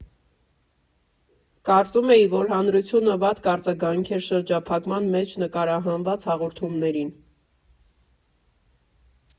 Կարծում էի, որ հանրությունը վատ կարձագանքեր շրջափակման մեջ նկարահանված հաղորդումներին։